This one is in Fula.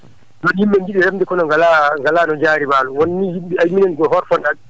heewɓe ne njiɗi remde kono ngalaa ngalaa no njaari waalo won heen yimɓe *